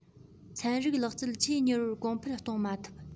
ཚན རིག ལག རྩལ ཆེས མྱུར བར གོང འཕེལ གཏོང མ ཐུབ